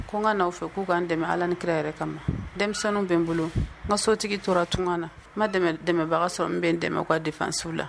Ko n ka n'a fɛ k'u k ka dɛmɛ ala ni kira yɛrɛ kama denmisɛnninw bɛ n bolo n sotigi tora tun na n ma dɛmɛbaga sɔrɔ bɛ dɛmɛ ka defasiww la